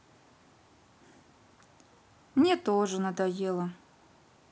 мне тоже надоело